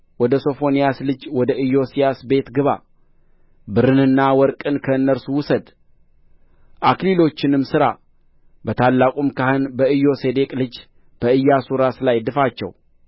ወደ ሶፎንያስ ልጅ ወደ ኢዮስያስ ቤት ግባ ብርንና ወርቅን ከእነርሱ ውሰድ አክሊሎችንም ሥራ በታላቁም ካህን በኢዮሴዴቅ ልጅ በኢያሱ ራስ ላይ ድፋቸው